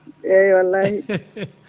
eeyi wallahi